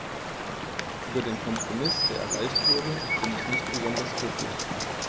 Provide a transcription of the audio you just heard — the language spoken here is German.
Über den Kompromiss, der erreicht wurde, bin ich nicht besonders glücklich.